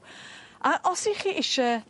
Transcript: A os 'ych chi isie